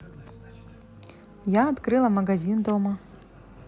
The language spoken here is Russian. я открыла магазин дома